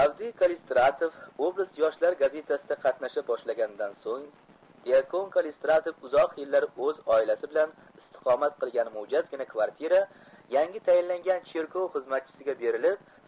avdiy kallistratov oblast yoshlar gazetasida qatnasha boshlagandan so'ng dyakon kallistratov uzoq yillar o'z oilasi bilan istiqomat qilgan mo'jazgina kvartira yangi tayinlangan cherkov xizmatchisiga berilib